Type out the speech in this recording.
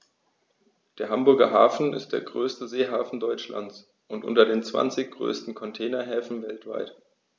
Der Hamburger Hafen ist der größte Seehafen Deutschlands und unter den zwanzig größten Containerhäfen weltweit.